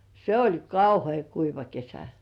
se oli kauhean kuiva kesä